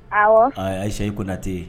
Awɔ aa Aicha i Konate